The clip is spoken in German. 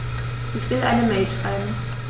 Ich will eine Mail schreiben.